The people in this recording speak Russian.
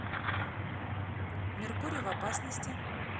меркурий в опасности